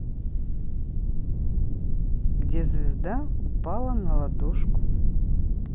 где звезда упала на ладошку